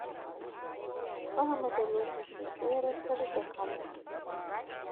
“Bamu da lokacin tseratar da kammu.